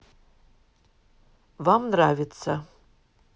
вам нравится